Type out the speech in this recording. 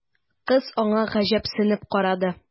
Кыз аңа гаҗәпсенеп карады.